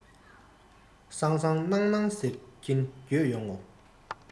སང སང གནངས གནངས ཟེར གྱིན འགྱོད ཡོང ངོ